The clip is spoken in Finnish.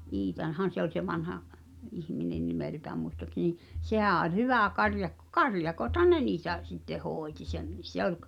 Iitahan se oli se vanha ihminen nimeltään muistaakseni niin sehän oli hyvä karjakko karjakothan ne niitä sitten hoiti sen niin se oli -